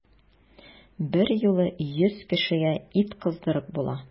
Берьюлы йөз кешегә ит кыздырып була!